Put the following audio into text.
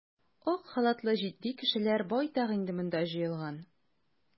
Ак халатлы җитди кешеләр байтак инде монда җыелган.